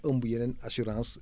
ëmb yeneen assurance